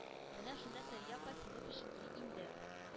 Менә шунда Сәрия апа сине пешекли инде